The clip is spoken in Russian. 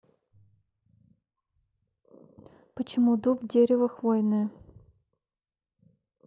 почему дуб дерево хвойное